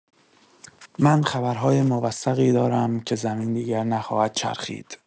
من خبرهای موثقی دارم که زمین دیگر نخواهد چرخید.